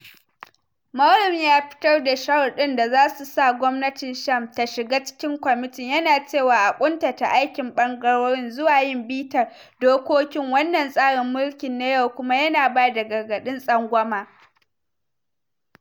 Moualem ya fitar da sharruɗan da zasu sa gwamnatin Sham ta shiga cikin kwamitin, yana cewa a kuntata aikin bangarorin “zuwa yin bitar dokokin wannan tsarin mulkin na yau,” kuma yana bada gargaɗin tsangwama.